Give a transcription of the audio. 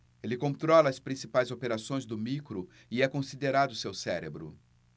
ele controla as principais operações do micro e é considerado seu cérebro